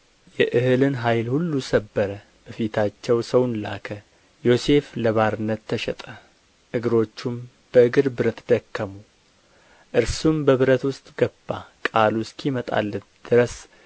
የእህልን ኃይል ሁሉ ሰበረ በፊታቸው ሰውን ላከ ዮሴፍ ለባርነት ተሸጠ እግሮቹም በእግር ብረት ደከሙ እርሱም በብረት ውስጥ ገባ ቃሉ እስኪመጣለት ድረስ